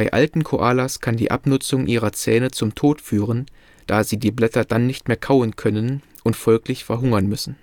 alten Koalas kann die Abnutzung ihrer Zähne zum Tod führen, da sie die Blätter dann nicht mehr kauen können und folglich verhungern müssen